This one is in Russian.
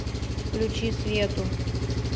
включи свету